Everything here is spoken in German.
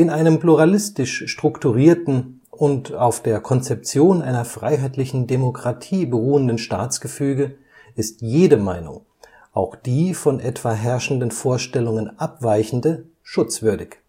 einem pluralistisch strukturierten und auf der Konzeption einer freiheitlichen Demokratie beruhenden Staatsgefüge ist jede Meinung, auch die von etwa herrschenden Vorstellungen abweichende, schutzwürdig